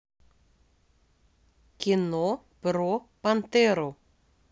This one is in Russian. кино про пантеру